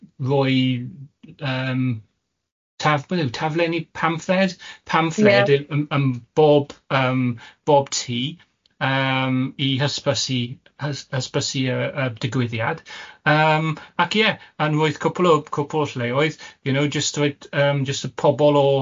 roi yym taf- be dwi'n gwybod taflenni pamphlet pamphlet... Ia. ...yym yym bob yym bob tŷ yym i hysbysu hys- hysbysu y y digwyddiad yym ac ie, yn roid cwpwl o cwpwl o lleoedd, you know jyst roid yym jyst y pobol o